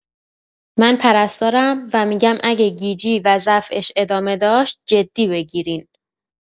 من پرستارم و می‌گم اگه گیجی و ضعفش ادامه داشت، جدی بگیرین.